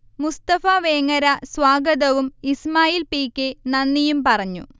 മുസ്തഫ വേങ്ങര സ്വാഗതവും Ismail P. K. നന്ദിയും പറഞ്ഞു